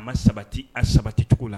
A man sabati a sabaticogo la.